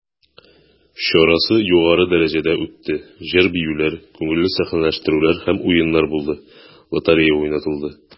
Чарасы югары дәрәҗәдә үтте, җыр-биюләр, күңелле сәхнәләштерүләр һәм уеннар булды, лотерея уйнатылды.